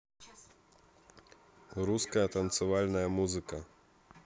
русская танцевальная музыка